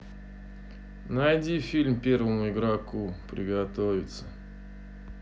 найди фильм первому игроку приготовиться